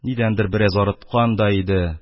Нидәндер бераз арыткан да иде.